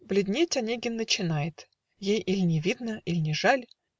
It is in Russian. Бледнеть Онегин начинает: Ей иль не видно, иль не жаль